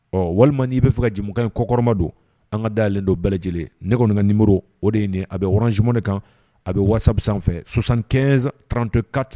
Ɔɔ walima n'i bɛ fɛ ka jamukan in kɔkɔrɔma don an ka da yɛlɛlen don bɛɛ lajɛlen ne kɔni ka numéro o de ye nin ye a bɛ orange money kan a bɛ whatsapp sanfɛ 7534